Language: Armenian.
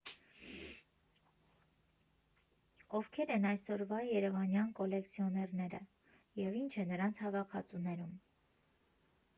Ովքե՞ր են այսօրվա երևանյան կոլեկցիոներները և ի՞նչ նրանց հավաքածուներում։